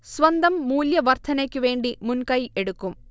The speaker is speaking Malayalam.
സ്വന്തം മൂല്യ വർധ്നക്ക് വേണ്ടി മുൻ കൈ എടുക്കും